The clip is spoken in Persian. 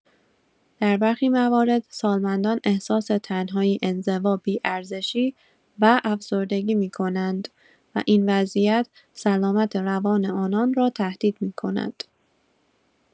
در برخی موارد سالمندان احساس تنهایی، انزوا، بی‌ارزشی و افسردگی می‌کنند و این وضعیت سلامت روان آنان را تهدید می‌کند.